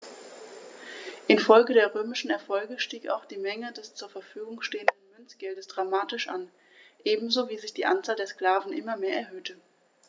Infolge der römischen Erfolge stieg auch die Menge des zur Verfügung stehenden Münzgeldes dramatisch an, ebenso wie sich die Anzahl der Sklaven immer mehr erhöhte.